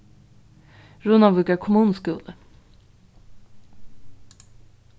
runavíkar kommunuskúli